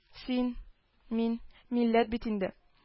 - син, мин — милләт бит инде